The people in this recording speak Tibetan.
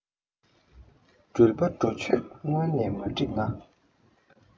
འགྲུལ པ འགྲོ ཆས སྔོན ནས མ བསྒྲིགས ན